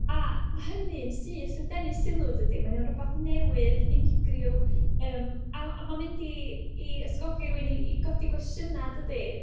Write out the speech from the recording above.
A ma' hynny'n syth yn denu sylw, dydi. Mae o'n rywbeth newydd, unigryw, yym a a mae'n mynd i i ysgogi rywun i i godi gwestiynau, dydi.